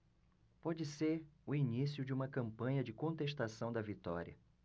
pode ser o início de uma campanha de contestação da vitória